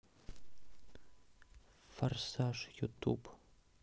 форсаж ютуб